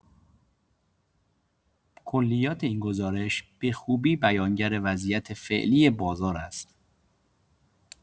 کلیات این گزارش به خوبی بیانگر وضعیت فعلی بازار است.